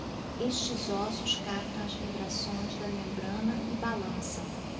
estes ossos captam as vibrações da membrana e balançam